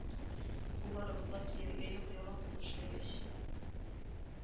Кулларыбызга кияргә юк, яланкул эшләгәч